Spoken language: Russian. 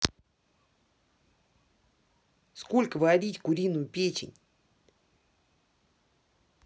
сколько варить куриную печень